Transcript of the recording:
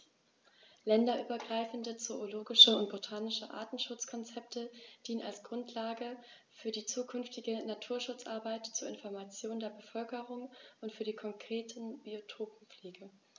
Länderübergreifende zoologische und botanische Artenschutzkonzepte dienen als Grundlage für die zukünftige Naturschutzarbeit, zur Information der Bevölkerung und für die konkrete Biotoppflege.